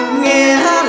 nghĩa